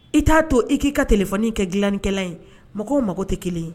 I k'a to, i k'i ka telefoni kɛ dilanlikɛlan ye, mɔgɔw mako tɛ kelen ye.